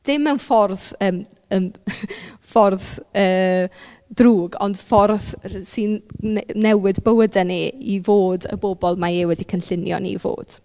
Dim mewn ffordd yym yym ffordd yy drwg ond ffordd sy'n ne- newid bywydau ni i fod y bobl mae e wedi cynllunio ni i fod.